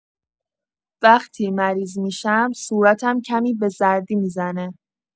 وقتی مریض می‌شم، صورتم کمی به زردی می‌زنه.